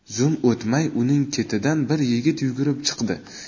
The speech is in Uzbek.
zum o'tmay uning ketidan bir yigit yugurib chiqdi